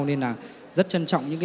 nên là rất trân trọng những